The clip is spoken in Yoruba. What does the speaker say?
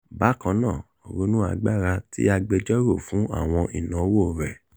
Bákan náà, ronú agbára tí agbẹjọ́rò fún àwọn ìnáwó rẹ.